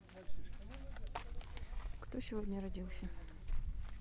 кто сегодня родился